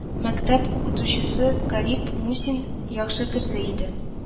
Мәктәп укытучысы Карип Мусин яхшы кеше иде